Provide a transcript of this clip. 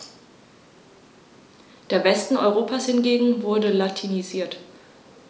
Der Westen Europas hingegen wurde latinisiert.